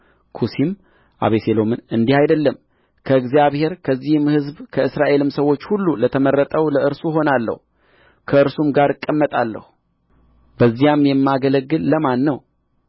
ኩሲም አቤሴሎምን እንዲህ አይደለም ከእግዚአብሔር ከዚህም ሕዝብ ከእስራኤልም ሰዎች ሁሉ ለተመረጠው ለእርሱ እሆናለሁ ከእርሱም ጋር እቀመጣለሁ ዳግምም የማገለግል ለማን ነው